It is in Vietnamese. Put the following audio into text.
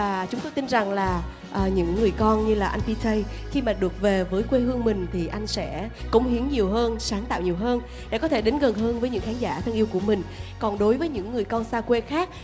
và chúng tôi tin rằng là ờ những người con như là anh pi tây khi mà được về với quê hương mình thì anh sẽ cống hiến nhiều hơn sáng tạo nhiều hơn để có thể đến gần hơn với những khán giả thân yêu của mình còn đối với những người con xa quê khác